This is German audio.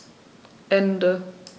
Ende.